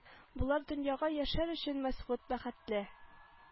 Болар дөньяга яшәр өчен мәсгуд бәхетле